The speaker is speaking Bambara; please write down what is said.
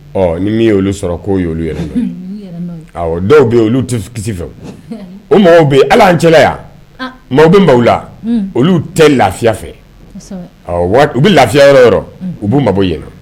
Ɔ ni min olu sɔrɔ k'o ye olu yɛrɛ na dɔw bɛ olu kisi fɛ o bɛ ala an cɛla yan maaw bɛ' la olu tɛ lafiya fɛ wa u bɛ lafiya yɔrɔ yɔrɔ u b'u mabɔ ɲɛna